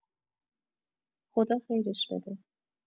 خدا خیرش بده